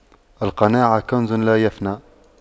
القناعة كنز لا يفنى